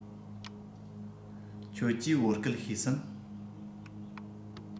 ཁྱེད ཀྱིས བོད སྐད ཤེས སམ